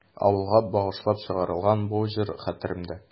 Авылга багышлап чыгарылган бу җыр хәтеремдә.